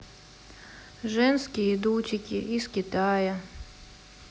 женские дутики из китая